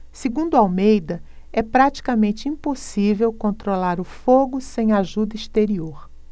segundo almeida é praticamente impossível controlar o fogo sem ajuda exterior